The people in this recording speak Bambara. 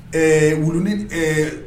Ee wulunin ee